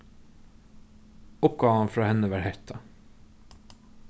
uppgávan frá henni var hetta